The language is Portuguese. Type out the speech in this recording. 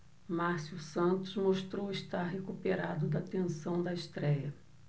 márcio santos mostrou estar recuperado da tensão da estréia